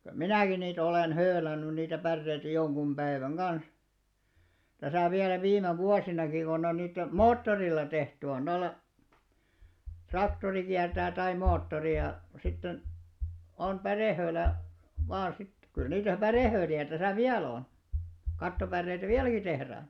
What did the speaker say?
kyllä minäkin niitä olen höylännyt niitä päreitä jonkun päivän kanssa tässä vielä viime vuosinakin kun on nyt moottorilla tehty on noilla traktori kiertää tai moottori ja sitten on pärehöylä vain sitten kyllä niitä pärehöyliä tässä vielä on kattopäreitä vieläkin tehdään